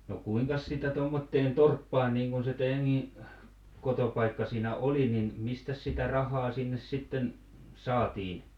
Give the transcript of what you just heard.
no kuinkas sitä tuommoiseen torppaan niin kuin se teidänkin kotipaikka siinä oli niin mistäs sitä rahaa sinne sitten saatiin